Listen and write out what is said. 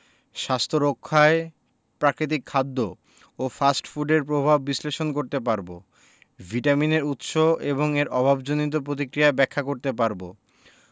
স্বাস্থ্য রক্ষায় প্রাকৃতিক খাদ্য এবং ফাস্ট ফুডের প্রভাব বিশ্লেষণ করতে পারব ভিটামিনের উৎস এবং এর অভাবজনিত পতিক্রিয়া ব্যাখ্যা করতে পারব